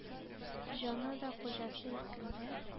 Җаны да хуҗасы иркендә.